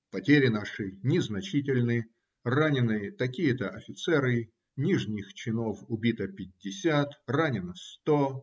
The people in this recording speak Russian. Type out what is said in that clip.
"Потери наши незначительны, ранены такие-то офицеры, нижних чинов убито пятьдесят, ранено сто".